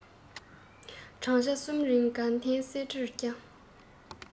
བགྲང བྱ གསུམ རིང དགའ ལྡན གསེར ཁྲི བསྐྱངས